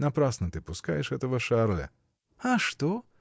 — Напрасно ты пускаешь этого Шарля!. — А что?